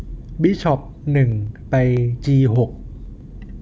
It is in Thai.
บิชอปหนึ่งไปจีหก